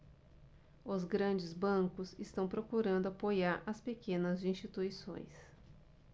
os grandes bancos estão procurando apoiar as pequenas instituições